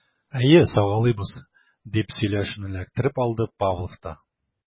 Әйе, сагалыйбыз, - дип сөйләшүне эләктереп алды Павлов та.